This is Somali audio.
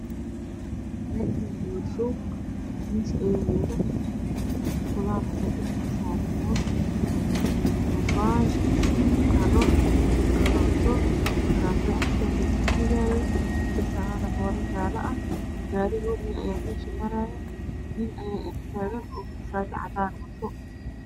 Meeshaan waa suuq miis ayaa yaala qudaar ayaa dusha ka saaran moos babay qaro karooto garaafaha cabitaanka lagu shiidaayo gasac caano buuro ah jaallo ah gaari hoomay ayaa meesha maraaya nin ayaa ag taagan oo shaati cadaana wato.